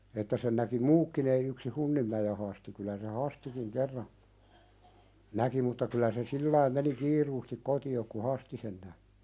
että sen näki muutkin ei yksin Hunninmäen Hasti kyllä se Hastikin kerran näki mutta kyllä se sillä lailla meni kiireesti kotiin kun Hasti sen näki